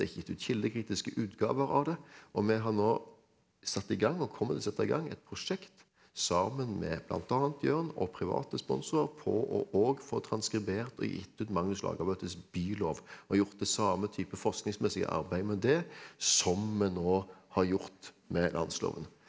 det er ikke gitt ut kildekritiske utgaver av det og vi har nå satt i gang, og kommer til å sette i gang, et prosjekt sammen med bl.a. Jørn og private sponsorer på å òg få transkribert og gitt ut Magnus Lagabøtes Bylov og gjort det samme type forskningsmessige arbeidet med det som vi nå har gjort med Landsloven.